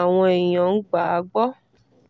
àwọn èèyàn ń gbà á gbọ́.